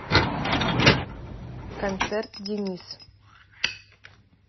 концерт денис